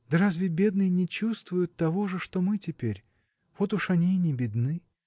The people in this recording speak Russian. да разве бедные не чувствуют того же, что мы теперь? вот уж они и не бедны.